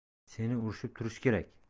seni urishib turish kerak